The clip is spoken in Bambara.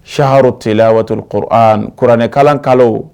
kuranɛ kalan kalo